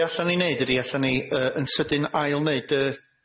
Be' 'allan ni neud ydi 'allan ni yy yn sydyn ail neud y